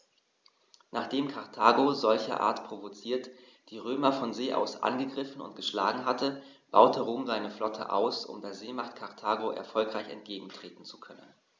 Nachdem Karthago, solcherart provoziert, die Römer von See aus angegriffen und geschlagen hatte, baute Rom seine Flotte aus, um der Seemacht Karthago erfolgreich entgegentreten zu können.